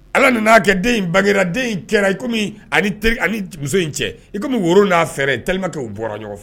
Ala nana'a kɛ den in bangera den in kɛra i muso in cɛ i woro n'a fɛɛrɛ kɛ o bɔra ɲɔgɔn fɛ